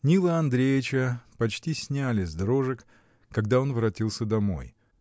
Нила Андреича почти сняли с дрожек, когда он воротился домой.